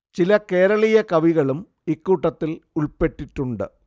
ചില കേരളീയ കവികളും ഇക്കൂട്ടത്തിൽ ഉൾപ്പെട്ടിട്ടുണ്ട്